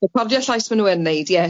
Recordio llais ma n'w yn neud ie.